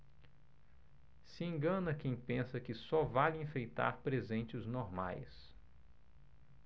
se engana quem pensa que só vale enfeitar presentes normais